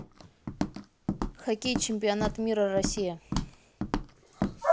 хоккей чемпионат мира россия